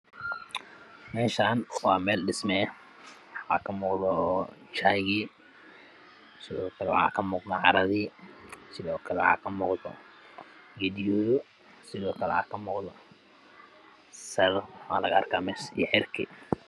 Meeshan waa meel dhismo ah waxaa kamuuqdo jaaygiii sidookale waxaa kamuuqdo caradii sidookale geed yuhuudo sidookale waxaa laga arkaa saalo iyo xarig